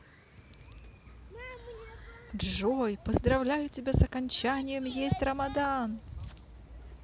джой поздравляю тебя с окончанием есть рамадан